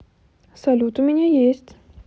салют у меня есть